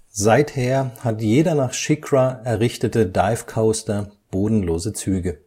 Seither hat jeder nach SheiKra errichtete Dive Coaster bodenlose Züge